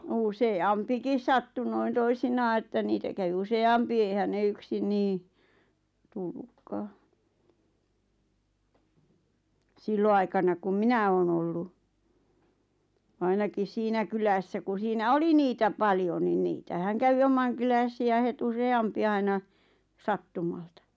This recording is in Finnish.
useampikin sattui noin toisinaan että niitä kävi useampi eihän ne yksin niin tullutkaan silloinaikana kun minä olen ollut ainakin siinä kylässä kun siinä oli niitä paljon niin niitähän kävi omankyläisiä heti useampi aina sattumalta